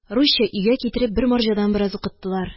Русча, өйгә китереп, бер марҗадан бераз укыттылар.